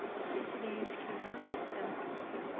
kechiring fikrimdan qaytdim